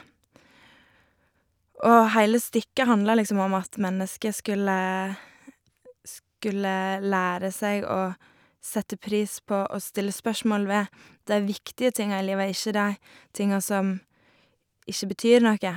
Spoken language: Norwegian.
Og heile stykket handlet liksom om at mennesket skulle skulle lære seg å sette pris på og stille spørsmål ved de viktige tinga i livet og ikke de tinga som ikke betyr noe.